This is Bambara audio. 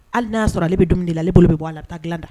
Hali n y'a sɔrɔ ale bɛ dumuni la ale bolo bɛ bɔ a la bɛ taa dilan da